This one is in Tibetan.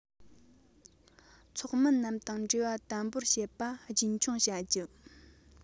ཚོགས མི རྣམས དང འབྲེལ བ དམ པོར བྱེད པ རྒྱུན འཁྱོངས བྱ རྒྱུ